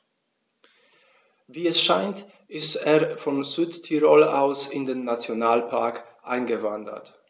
Wie es scheint, ist er von Südtirol aus in den Nationalpark eingewandert.